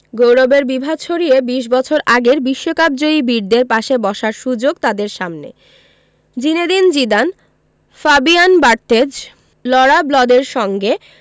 গৌরবের বিভা ছড়িয়ে ২০ বছর আগের বিশ্বকাপজয়ী বীরদের পাশে বসার সুযোগ তাদের সামনে জিনেদিন জিদান ফাবিয়ান বার্থেজ লঁরা ব্লদের সঙ্গে